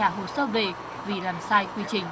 trả hồ sơ về vì làm sai quy trình